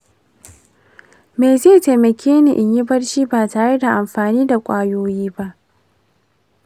me zai taimake ni in yi barci ba tare da amfani da ƙwayoyi ba?